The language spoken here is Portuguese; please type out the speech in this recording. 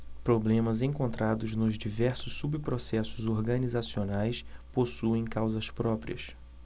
problemas encontrados nos diversos subprocessos organizacionais possuem causas próprias